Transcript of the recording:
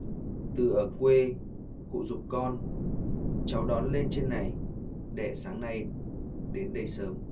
từ ở quê cụ giục con cháu đón lên trên này để sáng nay đến đây sớm